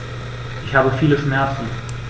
Ich habe viele Schmerzen.